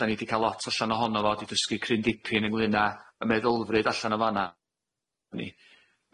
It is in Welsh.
'dan ni 'di ca'l lot allan ohono fo 'di dysgu cryn dipyn ynglyn â y meddylfryd allan o fan 'na.